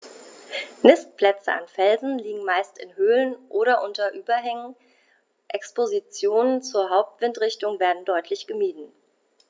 Nistplätze an Felsen liegen meist in Höhlungen oder unter Überhängen, Expositionen zur Hauptwindrichtung werden deutlich gemieden.